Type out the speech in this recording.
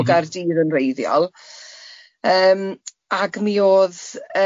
...o Gaerdydd yn wreiddiol yym ag mi oedd yy